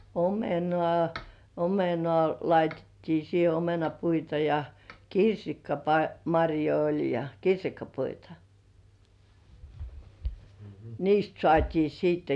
omenaa omenaa laitettiin siihen omenapuita ja - marjoja oli ja kirsikkapuita niistä saatiin sitten